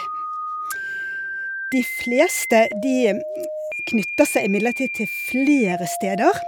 De fleste, de knytter seg imidlertid til flere steder.